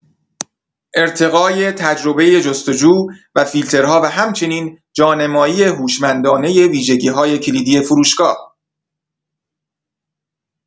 ارتقای تجربۀ جست‌وجو و فیلترها و همچنین جانمایی هوشمندانۀ ویژگی‌های کلیدی فروشگاه